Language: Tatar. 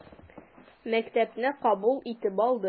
Мәктәпне кабул итеп алды.